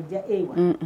A diya e ye